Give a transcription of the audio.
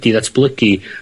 ...i ddatblygu